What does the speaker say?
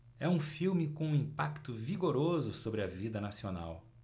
é um filme com um impacto vigoroso sobre a vida nacional